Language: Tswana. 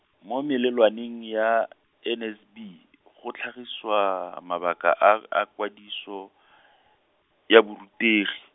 mo melelwaneng ya, N S B, go tlhagisiwa mabaka a a kwadiso , ya borutegi.